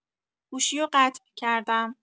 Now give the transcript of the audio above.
گوشیو قطع کردم.